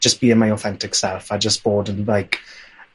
just being my authentic self a jyst bod yn like